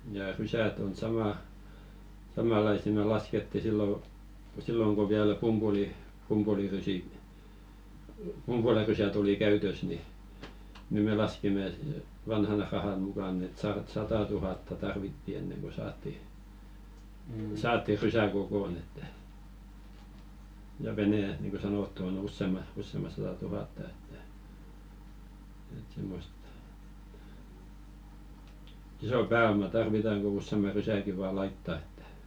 ja rysät on - samanlaisia me laskettiin silloin silloin kun vielä - pumpulirysiä pumpulirysät oli käytössä niin niin me laskimme että vanhan rahan mukaan että - sata tuhatta tarvittiin ennen kuin saatiin saatiin rysä kokoon että ja vene niin kuin sanottu on - useamman sata tuhatta että että semmoista isoa pääomaa tarvitaan kun useamman rysänkin vain laittaa että